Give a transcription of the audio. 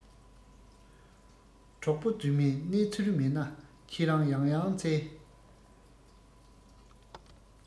གྲོགས པོ རྫུན མས གནས ཚུལ མེད ན ཁྱེད རང ཡང ཡང འཚལ